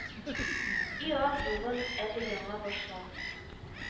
Иат юлын әле яңа башлап